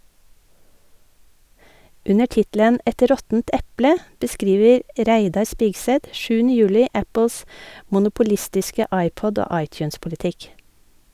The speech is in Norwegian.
Under tittelen "Et råttent eple " beskriver Reidar Spigseth 7. juli Apples monopolistiske iPod- og iTunes-politikk.